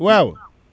waw